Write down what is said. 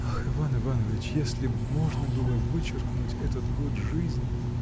— Ах, Иван Иванович, если б можно было вычеркнуть этот год жизни.